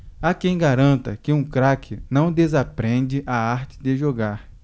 há quem garanta que um craque não desaprende a arte de jogar